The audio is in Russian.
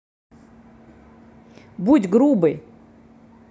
будь грубой